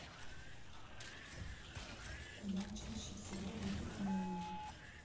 куда чаще всего будет молния